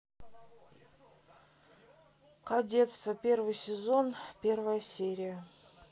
кадетство первый сезон первая серия